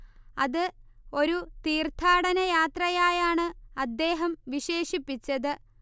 അത് ഒരു തീർത്ഥാടനയാത്രയായാണ് അദ്ദേഹം വിശേഷിപ്പിച്ചത്